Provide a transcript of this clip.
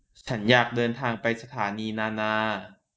ฉันอยากเดินทางไปสถานีนานา